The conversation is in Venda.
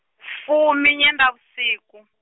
fumi nyendavhusiku.